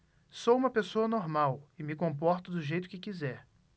sou homossexual e me comporto do jeito que quiser